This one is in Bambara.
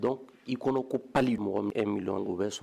Dɔn i kɔnɔ ko pali mɔgɔ o bɛ sɔn